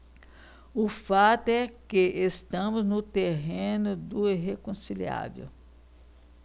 o fato é que estamos no terreno do irreconciliável